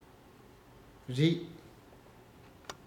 རེད